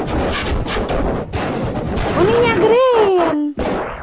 у меня green